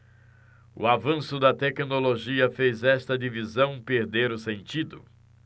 o avanço da tecnologia fez esta divisão perder o sentido